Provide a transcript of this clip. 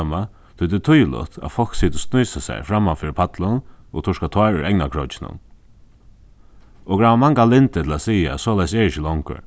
døma tí tað er týðiligt at fólk sita og snýsa sær framman fyri pallin og turka tár úr eygnakrókinum okur hava mangan lyndi til at siga soleiðis er ikki longur